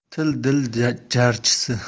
til dil jarchisi